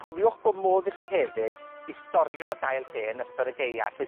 cofiwch bo' modd i chi hefyd i storio dail te yn ystod y Gaea, trwy